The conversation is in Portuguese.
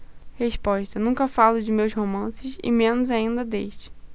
resposta nunca falo de meus romances e menos ainda deste